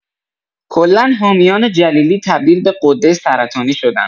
کلا حامیان جلیلی تبدیل به غده سرطانی شدن